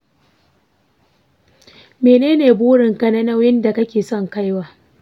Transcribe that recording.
menene burin ka na nauyin da kake son kaiwa?